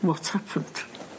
Waht happened.